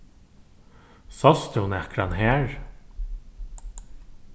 sást tú nakran har